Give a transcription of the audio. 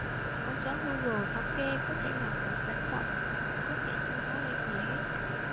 con số google thống kê có thể là một đánh động mà cũng có thể chưa nói lên gì hết